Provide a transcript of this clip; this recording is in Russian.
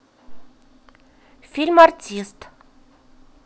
фильм артист